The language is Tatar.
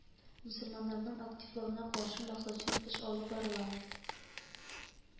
Мөселманнарның активлыгына каршы максатчын эш алып барыла